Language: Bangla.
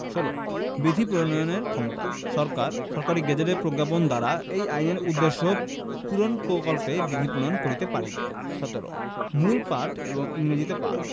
১৬ বিধি প্রণয়নের ক্ষমতাঃ সরকার সরকারী গেজেটে প্রজ্ঞাপন দ্বারা এই আইনের উদ্দেশ্য পূরণকল্পে বিধি প্রণয়ন করিতে পারিবে ১৭ মূল পাঠ এবং ইংরেজীতে পাঠঃ